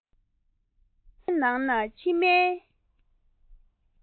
ཉི འོད སེར པོའི ནང ན མཆིལ མའི